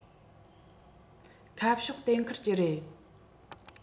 ཁ ཕྱོགས གཏན འཁེལ གྱི རེད